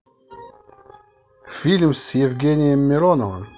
фильм с евгением мироновым